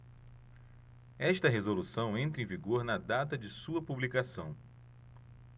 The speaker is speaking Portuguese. esta resolução entra em vigor na data de sua publicação